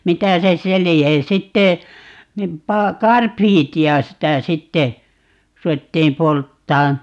mitä se se lie ja sitten niin - karbidia sitä sitten ruvettiin polttamaan